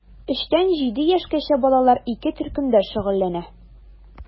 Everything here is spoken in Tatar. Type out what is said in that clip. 3 тән 7 яшькәчә балалар ике төркемдә шөгыльләнә.